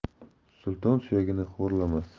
sulton suyagini xo'rlamas